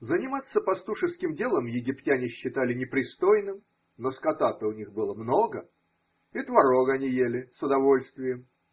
Заниматься пастушеским делом египтяне считали непристойным, но скота-то у них было много, и творог они ели с удовольствием.